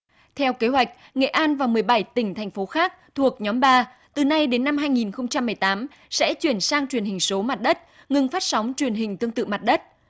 theo kế hoạch nghệ an và mười bảy tỉnh thành phố khác thuộc nhóm ba từ nay đến năm hai nghìn không trăm mười tám sẽ chuyển sang truyền hình số mặt đất ngưng phát sóng truyền hình tương tự mặt đất